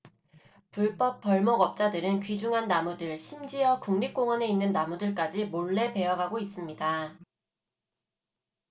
불법 벌목업자들은 귀중한 나무들 심지어 국립공원에 있는 나무들까지 몰래 베어 가고 있습니다